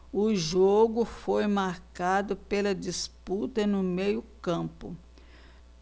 o jogo foi marcado pela disputa no meio campo